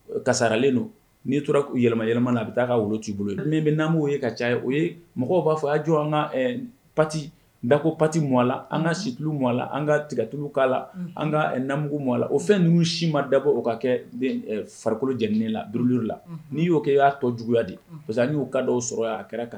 Kasaralen don n'i tora yɛlɛma yɛlɛmaɛlɛmana na a bɛ taa ka wolo tu bolo ye min bɛ na ye ka caya o ye mɔgɔw b'a fɔ y'a jɔ an ka pati nbɛ ko pati mo la an ka situ mɔ a la an ka tigatigiw k'a la an ka namu ma a la o fɛn ninnuu si ma dabɔ o ka kɛ farikolo lajɛlennen la b la n'i y'o y'a tɔ juguyaya de parce que n'u ka da sɔrɔ a kɛra kan